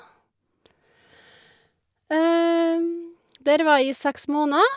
Der var jeg i seks måneder.